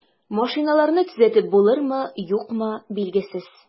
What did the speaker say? Машиналарны төзәтеп булырмы, юкмы, билгесез.